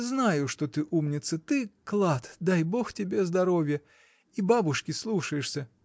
Знаю, что ты умница, — ты клад, дай Бог тебе здоровья, — и бабушки слушаешься!